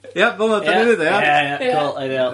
Ia fel 'ma 'dan ni'n... Ia. ...dweud e ia? Ia ia ia cŵl. Ideal.